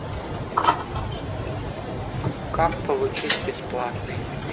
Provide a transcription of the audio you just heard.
как получить бесплатный